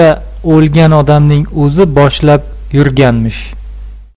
odamning o'zi boshlab yurganmish